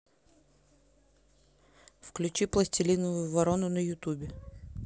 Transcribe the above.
включи пластилиновую ворону на ютубе